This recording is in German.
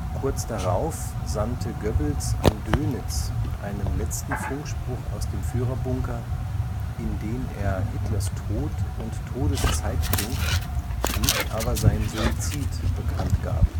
Kurz darauf sandte Goebbels an Dönitz einen letzten Funkspruch aus dem Führerbunker, in dem er Hitlers Tod und Todeszeitpunkt, nicht aber seinen Suizid, bekannt gab